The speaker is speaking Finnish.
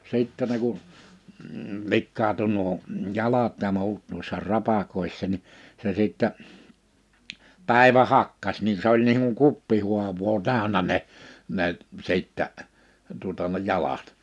sitten ne kun likaantui nuo jalat ja muut noissa rapakoissa niin se sitten päivä hakkasi niin se oli niin kuin kuppihaavaa täynnä ne ne sitten tuota ne jalat